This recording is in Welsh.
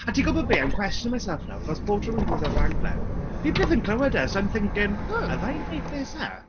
A ti'n gwybod be? I'm questioning myself now achos bob tro fi'n gwylio'r raglen fi byth yn clywed e. So I'm thinking... oh ...have I made this up?